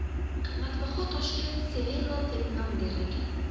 qimmatbaho toshga sevelo deb nom berilgan